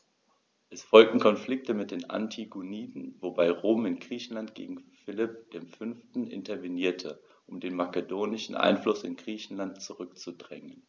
Es folgten Konflikte mit den Antigoniden, wobei Rom in Griechenland gegen Philipp V. intervenierte, um den makedonischen Einfluss in Griechenland zurückzudrängen.